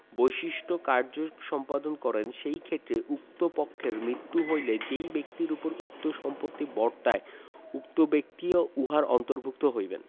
বৈশিষ্ট্যে কার্য সম্পাদন করেন সেই ক্ষেত্রে উক্ত পক্ষের মৃত্যু হইলে যেই ব্যক্তির উপর উক্ত সম্পত্তি বর্তায় উক্ত ব্যক্তিও ইহার অন্তর্ভুক্ত হইবেন